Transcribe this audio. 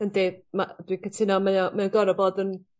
Yndi ma' dwi cytuno mae o mae o gor'o' bod yn